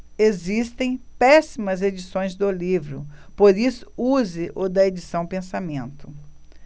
existem péssimas edições do livro por isso use o da edição pensamento